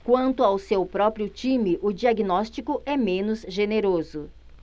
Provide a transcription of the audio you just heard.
quanto ao seu próprio time o diagnóstico é menos generoso